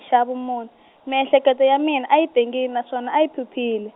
xa vumun-, miehleketo ya mina a yi tengile naswona a yi phyuphyile.